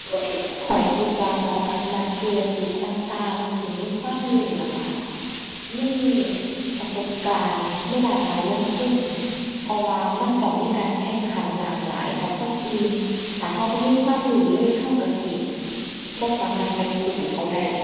ข้อยคิดว่าเหมาะกับนักธุรกิจต่างต่างที่มีความรู้แล้วก็มีประสบการณ์ในด้านการลงทุน เพราะว่ามันต้องมีการแข่งขันหลากหลายกับคนอื่น ถ้าก็บ่มีความรู้เลย ก็ก็สิบ่สามารถไปสู้เขาได้